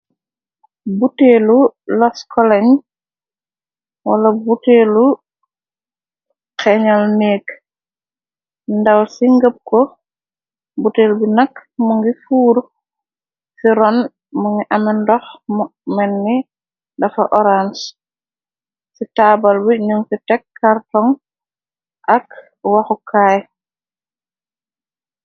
Buteelu laskoleñ wala buteelu xeñal neeg ndaw ci ngëp ko buteel bi nak mu ngi fuur ci ronn mu ngi ame ndox menni dafa orange ci taabal bi ñum ci tekk kartoŋg ak waxukaay.